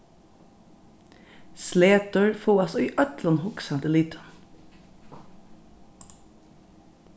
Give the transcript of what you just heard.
sletur fáast í øllum hugsandi litum